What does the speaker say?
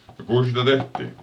no kuinka sitä tehtiin